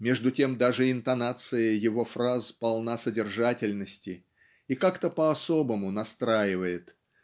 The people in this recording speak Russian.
Между тем даже интонация его фраз полна содержательности и как-то по-особому настраивает